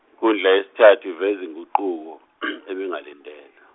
nkundla yesithathu iveza inguquko , ebingalindelwe.